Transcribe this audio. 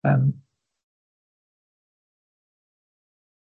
Yym.